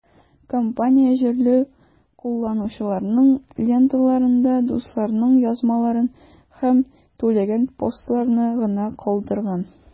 Компания җирле кулланучыларның ленталарында дусларының язмаларын һәм түләнгән постларны гына калдырган.